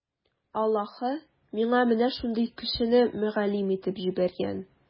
Аллаһы миңа менә шундый кешене мөгаллим итеп җибәргән.